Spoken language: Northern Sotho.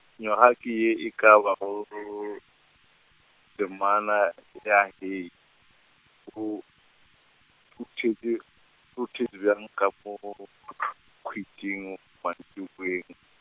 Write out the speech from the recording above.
ngwaga ke ye e ka ba go , temana ya Hei, go rutetše, rutetše bjang ka moo khwitšhing mantšiboeng.